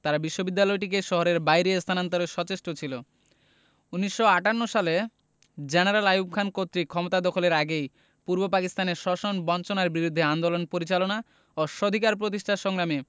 তারা বিশ্ববিদ্যালয়টিকে শহরের বাইরে স্থানান্তরে সচেষ্ট ছিল ১৯৫৮ সালে জেনারেল আইয়ুব খান কর্তৃক ক্ষমতা দখলের আগেই পূর্ব পাকিস্তানে শোষণ বঞ্চনার বিরুদ্ধে আন্দোলন পরিচালনা ও স্বাধিকার প্রতিষ্ঠার সংগ্রামে